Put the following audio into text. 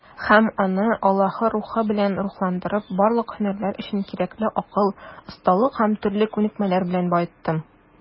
Һәм аны, Аллаһы Рухы белән рухландырып, барлык һөнәрләр өчен кирәкле акыл, осталык һәм төрле күнекмәләр белән баеттым.